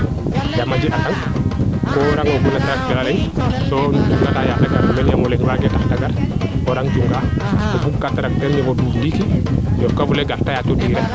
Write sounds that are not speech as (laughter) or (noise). yaam a jeg a tangso cunga ta yaate gar na meene yaam o leŋ we tax te gar (unintelligible) o cung ta tracteur ñofo duuf ndiiki (unintelligible)